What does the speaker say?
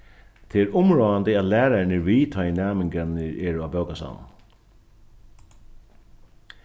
tað er umráðandi at lærarin er við tá ið næmingarnir eru á bókasavninum